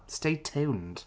Stay tuned.